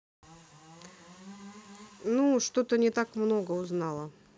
ну что то не так много узнала